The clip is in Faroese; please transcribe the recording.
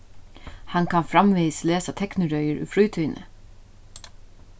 hann kann framvegis lesa teknirøðir í frítíðini